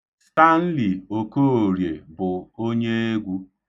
Stanli Okoorie bụ onyeegwu.